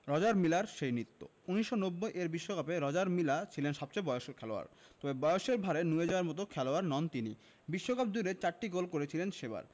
Roger মিলার সেই নৃত্য ১৯৯০ এর বিশ্বকাপে রজার মিলা ছিলেন সবচেয়ে বয়স্ক খেলোয়াড় তবে বয়সের ভাঁড়ে নুয়ে যাওয়ার মতো খেলোয়াড় নন তিনি